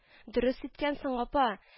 — дөрес иткәнсең, апа